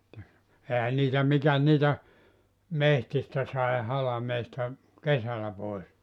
sitten eihän niitä mikäs niitä metsistä sai halmeesta kesällä pois